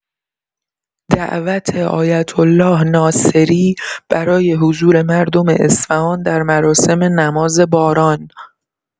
دعوت آیت‌الله ناصری برای حضور مردم اصفهان در مراسم نماز باران